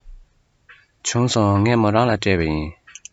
བྱུང སོང ངས མོ རང ལ སྤྲད པ ཡིན